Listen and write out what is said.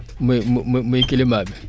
muy mu muy muy climat bi